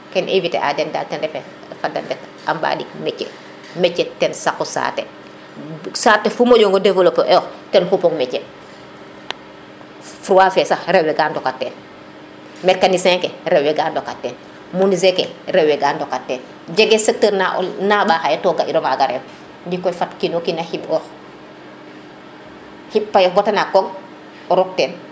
kem invité a den dal ten refe fada ndet a mbaɗik métier métier ten saqu saaate saate fu moƴo nga developper oox ten xupoŋ métier soa fe sax rewe ga ndokat ten mecanicien ke rewe ga ndokat ten menuisier ke rewe ga ndokat ten jege secteur na o naɓa xaye to ga kiro maga rew ndiki sax kino kina xiɓox xiɓ payof bata naan koŋ o roq ten